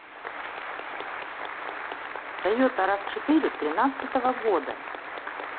toyota raw четыре тринадцатого года